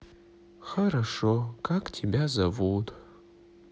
хорошо как тебя зовут